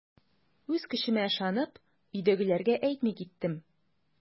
Үз көчемә ышанып, өйдәгеләргә әйтми киттем.